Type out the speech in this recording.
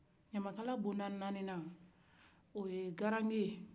ɲamakala bonda nani o ye garange ye